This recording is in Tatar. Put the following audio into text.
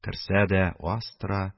Керсә дә аз тора